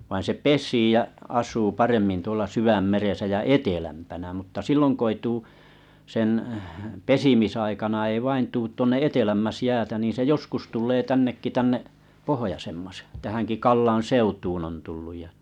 vaan se pesii ja asuu paremmin tuolla sydänmeressä ja etelämpänä mutta silloin kun ei tule sen pesimisaikana ei vain tule tuonne etelämmäksi jäätä niin se joskus tulee tännekin tänne pohjoisemmaksi tähänkin Kallan seutuun on tullut ja